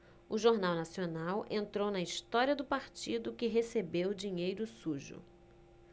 o jornal nacional entrou na história do partido que recebeu dinheiro sujo